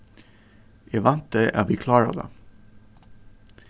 eg vænti at vit klára tað